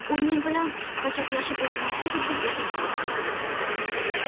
u men bilan pachakilashib o'tirmaslik uchun o'zini bosdi